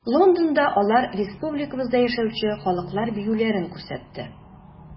Лондонда алар республикабызда яшәүче халыклар биюләрен күрсәтте.